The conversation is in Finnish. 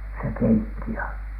se keitti ja